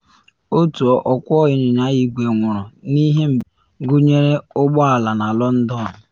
Otu ọkwọ anyịnya igwe nwụrụ n’ihe mberede gụnyere ụgbọ ala na London.